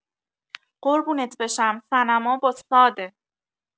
قربونت بشم صنما با صاده